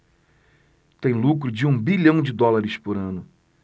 tem lucro de um bilhão de dólares por ano